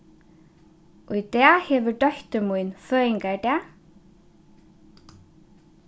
í dag hevur dóttir mín føðingardag